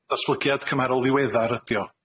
Datblygiad cymharol ddiweddar ydi o,